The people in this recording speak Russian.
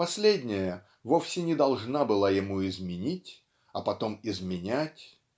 последняя вовсе не должна была ему изменить а потом изменять.